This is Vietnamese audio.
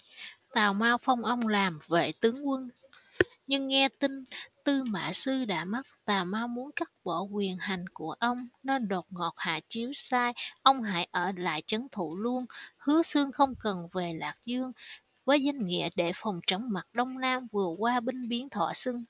tào mao phong ông làm vệ tướng quân nhưng nghe tin tư mã sư đã mất tào mao muốn cắt bỏ quyền hành của ông nên đột ngột hạ chiếu sai ông hãy ở lại trấn thủ luôn hứa xương không cần về lạc dương với danh nghĩa để phòng chống mặt đông nam vừa qua binh biến thọ xuân